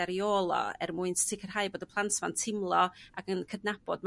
ar i ôl o er mwyn sicrhau bod y plant 'ma yn teimlo ac yn cydnabod ma'